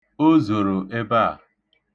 O zoro ebe a.